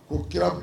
Ko kira